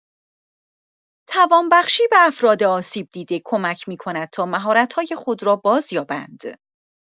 توانبخشی به افراد آسیب‌دیده کمک می‌کند تا مهارت‌های خود را بازیابند.